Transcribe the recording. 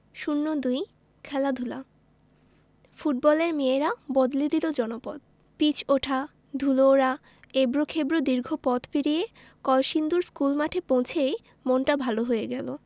০২ খেলাধুলা ফুটবলের মেয়েরা বদলে দিল জনপদ পিচ ওঠা ধুলো ওড়া এবড়োথেবড়ো দীর্ঘ পথ পেরিয়ে কলসিন্দুর স্কুলমাঠে পৌঁছেই মনটা ভালো হয়ে গেল